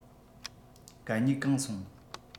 གད སྙིགས གང སོང